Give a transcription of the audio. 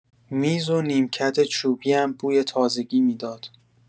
میز و نیمکت چوبی‌م بوی تازگی می‌داد.